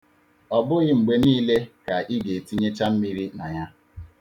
Ọ bụghị mgbe niile ka ị ga-etinyecha mmiri na ya.